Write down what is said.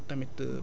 voilà